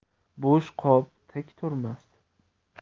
bo'sh qop tik turmas